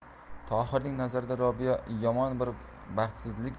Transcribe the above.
tohirning nazarida robiya yomon bir baxtsizlik